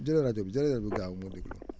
jëlal rajo bi jëlal rajo bi gaaw nga déglu